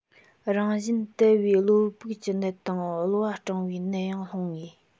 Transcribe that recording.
རང བཞིན དལ བའི གློ སྦུག གི ནད དང གློ བ སྐྲང བའི ནད ཡང སློང ངེས